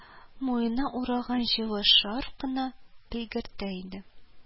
Муенына ураган җылы шарф кына белгертә иде